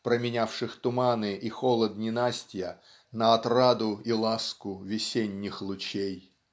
променявших туманы и холод ненастья на отраду и ласку весенних лучей".